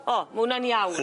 O ma' wnna'n iawn.